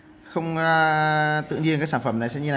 không tự nhiên sản phẩm này như thế này đâu